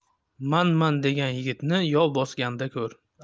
manman degan yigitni yov bosganda ko'r